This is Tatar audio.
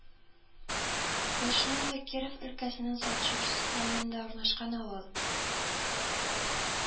Лышново Киров өлкәсенең Санчурск районында урнашкан авыл